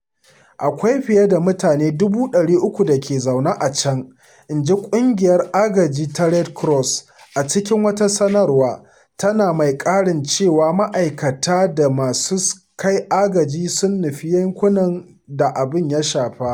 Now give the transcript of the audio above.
Akwai fiye da mutane 300,000 da ke zauna a can,” inji ƙungiyar agaji ta Red Cross a cikin wata sanarwa, tana mai ƙarin cewa ma’aikatanta da masu sa-kai sun nufi yankunan da abin ya shafa.